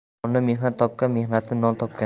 nonni mehnat topgan mehnatni non topgan